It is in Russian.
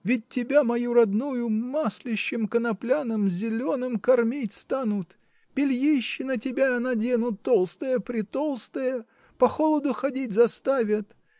Ведь тебя, мою родную, маслищем конопляным зеленым кормить станут, бельище на тебя наденут толстое-претолстое по холоду ходить заставят